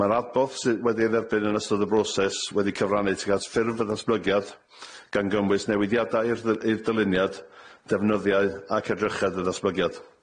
Mae'r adborth sydd wedi ei dderbyn yn ystod y broses wedi cyfrannu tuag at ffurf y ddatblygiad, gan gynnwys newidiadau i'r dd- i'r dyluniad, defnyddiau, ac edrychedd y ddatblygiad.